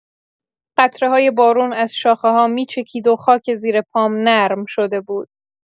قطره‌های بارون از شاخه‌ها می‌چکید و خاک زیر پام نرم شده بود.